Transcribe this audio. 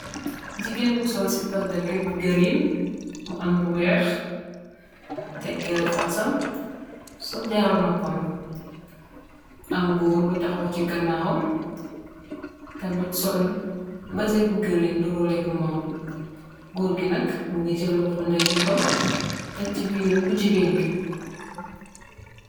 Jigeen bu sol sipa dagit bu green am lu weex teg gerefasam sol jaaru nopam am goor bu tahaw si ganawam tamit sol bazen bu green ndurole mumm goor bi nak mogi jeel loxo deyjoram teck si birir ko jigeen ki.